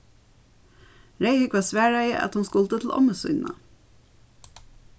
reyðhúgva svaraði at hon skuldi til ommu sína